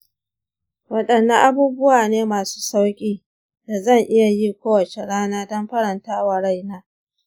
waɗanne abubuwa ne masu sauƙi da zan iya yi kowacce rana don farantawa raina?